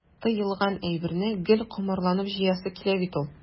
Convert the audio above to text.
Тыелган әйберне гел комарланып җыясы килә бит ул.